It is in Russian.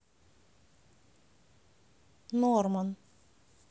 норман